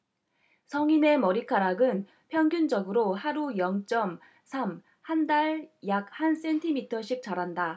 성인의 머리카락은 평균적으로 하루 영 쩜 삼 한 달 약 한 센티미터씩 자란다